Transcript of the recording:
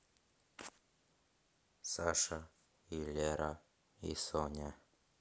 саша и лера и соня